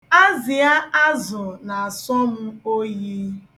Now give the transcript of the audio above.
Azịa azụ na-asọ m oyi.